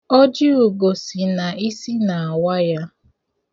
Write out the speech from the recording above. Ọjịugo sị na isi na-awa ya.